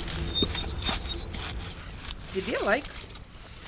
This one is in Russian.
тебе лайк